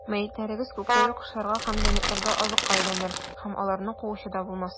Мәетләрегез күктәге кошларга һәм җәнлекләргә азыкка әйләнер, һәм аларны куучы да булмас.